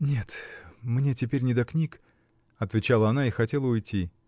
-- Нет; мне теперь не до книг, -- отвечала она и хотела уйти.